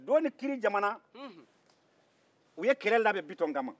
do ni kiri jamana u ye kɛlɛ labɛn bitɔn kama